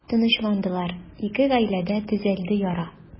Тынычландылар, ике гаиләдә төзәлде яра.